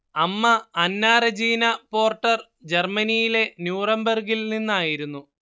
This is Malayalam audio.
അമ്മ അന്നാ റെജീനാ പോർട്ടർ ജർമ്മനിയിലെ ന്യൂറംബർഗ്ഗിൽ നിന്നായിരുന്നു